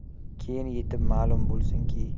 keyin yetib ma'lum bo'lsinki